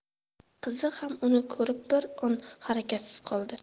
qizi ham uni ko'rib bir on harakatsiz qoldi